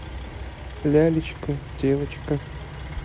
лялечка девочка